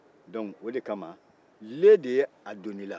donc o de kama le de ye a donna e la